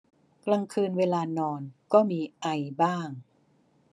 กลางคืนเวลานอนก็มีไอบ้าง